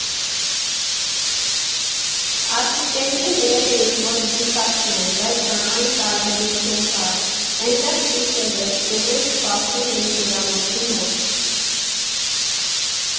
Ասիստենտին գրել էինք, որ զգուշացնեն, բայց ժամային տարբերություն կար՝ էնտեղ գիշեր էր, ու մենք սպասում էինք հյուրանոցի մոտ։